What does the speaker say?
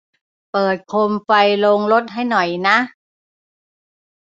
เปิดโคมไฟโรงรถให้หน่อยนะ